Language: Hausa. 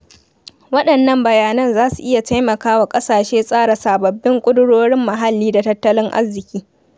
Waɗannan bayanan za su iya taimaka wa ƙasashe tsara sababbin ƙudirorin muhalli da tattalin arziki.